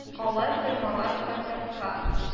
Калай коймалар кайтарткан